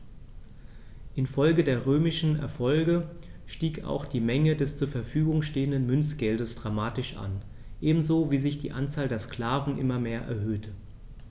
Infolge der römischen Erfolge stieg auch die Menge des zur Verfügung stehenden Münzgeldes dramatisch an, ebenso wie sich die Anzahl der Sklaven immer mehr erhöhte.